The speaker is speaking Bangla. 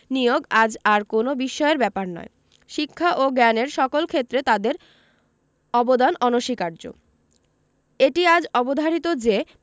নিয়োগ আজ আর কোনো বিস্ময়ের ব্যাপার নয় শিক্ষা ও জ্ঞানের সকল ক্ষেত্রে তাদের অবদান অনস্বীকার্য এটিআজ অবধারিত যে